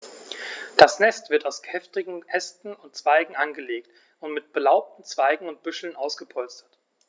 Das Nest wird aus kräftigen Ästen und Zweigen angelegt und mit belaubten Zweigen und Büscheln ausgepolstert.